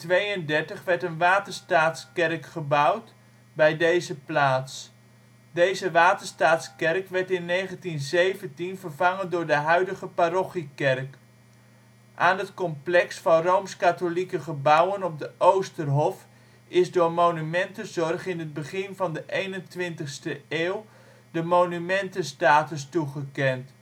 1832 werd een Waterstaatskerk gebouwd bij deze plaats. Deze Waterstaatskerk werd in 1917 vervangen door de huidige parochiekerk. Aan het complex van rooms-katholieke gebouwen op de Oosterhof is door Monumentenzorg in het begin van de 21e eeuw de monumentenstatus toegekend